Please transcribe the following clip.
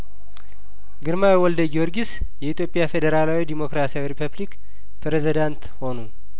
ግርማ ወልደ ጊዮርጊስ የኢትዮጵያ ፌዴራላዊ ዲሞክራሲያዊ ሪፐብሊክ ፕሬዚዳንት ሆኑ